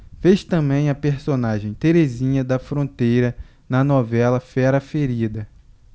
fez também a personagem terezinha da fronteira na novela fera ferida